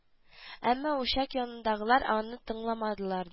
Әмма учак янындагылар аны тыңламадылар да